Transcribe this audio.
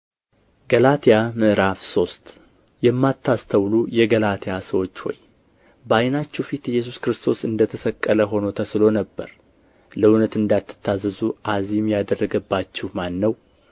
ገላትያ ምዕራፍ ምዕራፍ ሶስት የማታስተውሉ የገላትያ ሰዎች ሆይ በዓይናችሁ ፊት ኢየሱስ ክርስቶስ እንደ ተሰቀለ ሆኖ ተሥሎ ነበር ለእውነት እንዳትታዘዙ አዚም ያደረገባችሁ ማን ነው